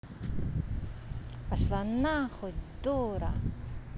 пошла нахуй дура